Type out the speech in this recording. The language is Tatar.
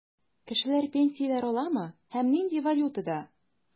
Кешеләр пенсияләр аламы һәм нинди валютада?